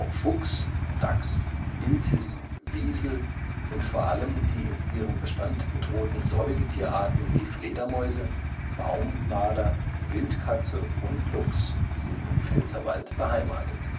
Fuchs, Dachs, Iltis, Wiesel und vor allem die in ihrem Bestand bedrohten Säugetierarten wie Fledermäuse, Baummarder, Wildkatze und Luchs sind im Pfälzerwald beheimatet